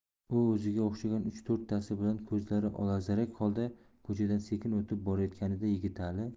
u o'ziga o'xshagan uch to'rttasi bilan ko'zlari olazarak holda ko'chadan sekin o'tib borayotganida yigitali